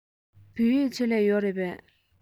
བོད ཡིག ཆེད ལས ཡོད རེད པས